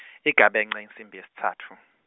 Igabence insimbi yesitsatfu.